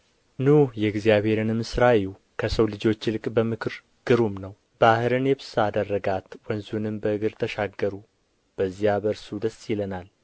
ኑ የእግዚአብሔርንም ሥራ እዩ ከሰው ልጆች ይልቅ በምክር ግሩም ነው ባሕርን የብስ አደረጋት ወንዙንም በእግር ተሻገሩ በዚያ በእርሱ ደስ ይለናል